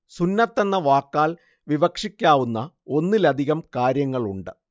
സുന്നത്തെന്ന വാക്കാൽ വിവക്ഷിക്കാവുന്ന ഒന്നിലധികം കാര്യങ്ങളുണ്ട്